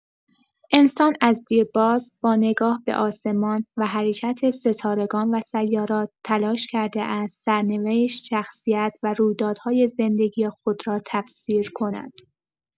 انسان از دیرباز با نگاه به آسمان و حرکت ستارگان و سیارات، تلاش کرده است سرنوشت، شخصیت و رویدادهای زندگی خود را تفسیر کند.